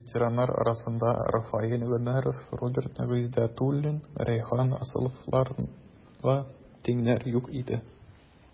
Ветераннар арасында Рафаэль Гомәров, Роберт Гыйздәтуллин, Рәйхан Асыловларга тиңнәр юк иде.